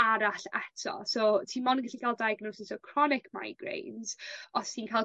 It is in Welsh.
arall eto so ti mond yn gallu ca'l diagnosis o chronic migraines os ti'n ca'l